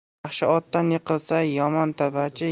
yaxshi otdan yiqilsa yomon tabachi